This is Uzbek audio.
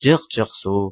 jiq jiq suv